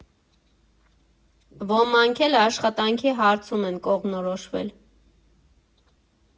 Ոմանք էլ աշխատանքի հարցում են կողմնորոշվել.